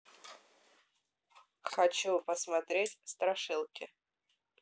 хочу посмотреть страшилки